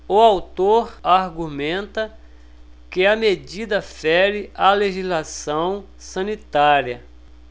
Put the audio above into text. o autor argumenta que a medida fere a legislação sanitária